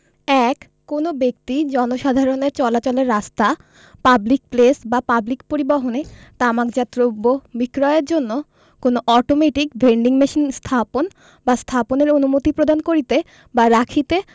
১ কোন ব্যক্তি জনসাধারণের চলাচলের রাস্তা পাবলিক প্লেস বা পাবলিক পরিবহণে তামাকজাত দ্রব্য বিক্রয়ের জন্য কোন অটোমেটিক ভেন্ডিং মেশিন স্থাপন বা স্থাপনের অনুমতি প্রদান করিতে বা রাখিতে